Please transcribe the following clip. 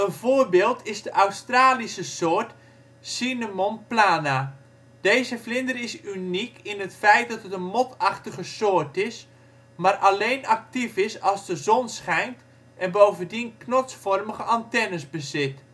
voorbeeld is de Australische soort Synemon plana. Deze vlinder is uniek in het feit dat het een mot-achtige soort is, maar alleen actief is als de zon schijnt en bovendien knotsvormige antennes bezit